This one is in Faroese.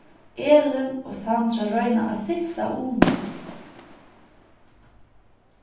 elin og sandra royna at sissa una